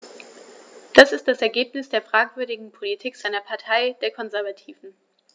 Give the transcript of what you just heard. Das ist das Ergebnis der fragwürdigen Politik seiner Partei, der Konservativen.